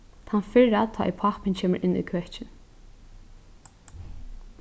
tann fyrra tá ið pápin kemur inn í køkin